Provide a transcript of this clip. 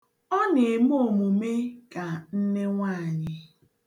Ọ na-eme omume ka nnewaanyị.